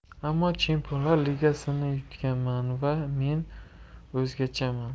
ammo chempionlar ligasini yutganman va men o'zgachaman